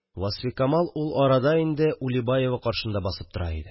Васфикамал ул арада инде Улибаева каршында басып тора иде